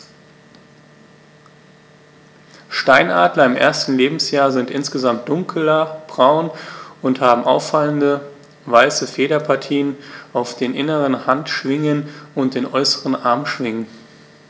Steinadler im ersten Lebensjahr sind insgesamt dunkler braun und haben auffallende, weiße Federpartien auf den inneren Handschwingen und den äußeren Armschwingen.